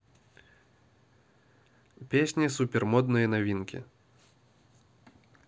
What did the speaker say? песни супермодные новинки